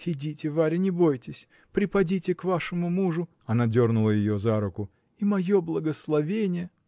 идите, Варя, не бойтесь, припадите к вашему мужу (она дернула ее за руку) -- и мое благословение.